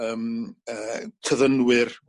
yym yy tyddynwyr